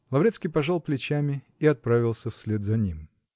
Лаврецкий пожал плечами и отправился вслед за ним.